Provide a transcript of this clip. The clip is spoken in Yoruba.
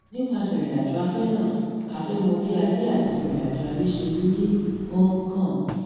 Nípasẹ̀ ìrìnàjò afẹ́ náà, a fẹ́ mọ bí ayé àti ìgbé ayé ṣe rí ní Hong Kong.